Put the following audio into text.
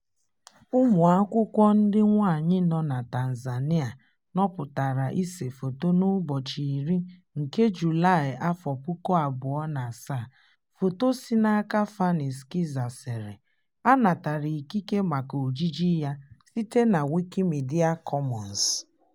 Ụmụakwụkwọ ndị nwaanyị nọ na Tanzania nọpụtara ise foto n'ụbọchị 10 nke Julaị, 2007. Foto si n'aka Fanny Schertzer sere, a natara ikike maka ojiji ya site na Wikimedia Commons, CC BY 2.0.